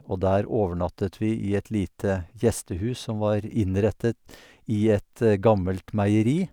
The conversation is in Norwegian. Og der overnattet vi i et lite gjestehus som var innrettet i et gammelt meieri.